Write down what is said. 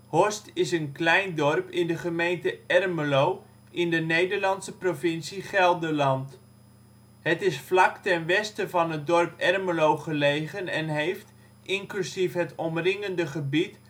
Horst is een klein dorp in de gemeente Ermelo, in de Nederlandse provincie Gelderland. Het is vlak ten westen van het dorp Ermelo gelegen en heeft, inclusief het omringende gebied